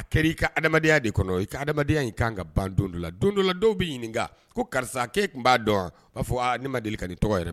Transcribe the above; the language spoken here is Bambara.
A kɛra i ka adamadenya de kɔnɔ i ka adamadenya in kan ka ban don dɔ la don dɔla dɔw bɛ ɲininka ko karisa e tun b'a dɔn b'a fɔ ne ma deli ka ni tɔgɔ yɛrɛ